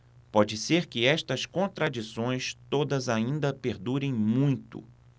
pode ser que estas contradições todas ainda perdurem muito